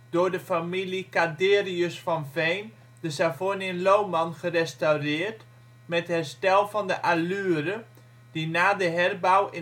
door de familie Caderius van Veen-de Savornin Lohman gerestaureerd met herstel van de allure die na de herbouw